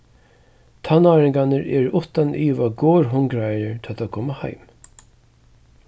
tannáringarnir eru uttan iva gorhungraðir tá ið teir koma heim